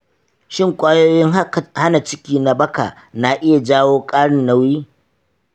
shin kwayoyin hana ciki na baka na iya jawo ƙarin nauyi?